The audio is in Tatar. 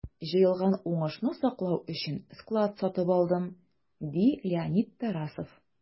Җыелган уңышны саклау өчен склад сатып алдым, - ди Леонид Тарасов.